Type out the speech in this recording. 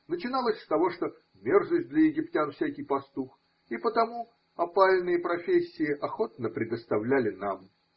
Начиналось с того, что мерзость для египтян всякий пастух, и потому опальные профессии охотно предоставляли нам.